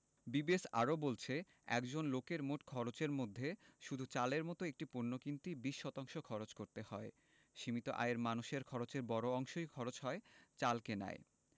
BBS আরও বলছে একজন লোকের মোট খরচের মধ্যে শুধু চালের মতো একটি পণ্য কিনতেই ২০ শতাংশ খরচ করতে হয় সীমিত আয়ের মানুষের খরচের বড় অংশই খরচ হয় চাল কেনায়